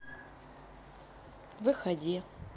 выходи